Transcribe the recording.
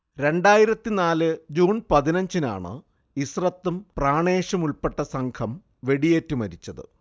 രണ്ടായിരത്തി നാല് ജൂൺ പതിനഞ്ചുനാണ് ഇസ്രത്തും പ്രാണേഷുമുൾപ്പെട്ട സംഘം വെടിയേറ്റ് മരിച്ചത്